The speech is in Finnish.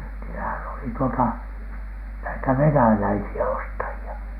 niillähän oli tuota näitä venäläisiä ostajia